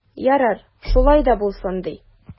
Ярар, шулай да булсын ди.